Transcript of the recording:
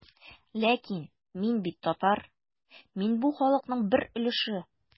Ләкин мин бит татар, мин бу халыкның бер өлеше.